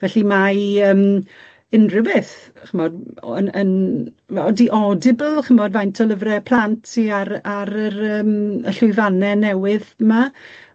Felly mae yym unrhyw beth ch'mod o yn yn fe- odi Audible ch'mod faint o lyfre plant sy ar ar yr yym y llwyfanne newydd 'ma?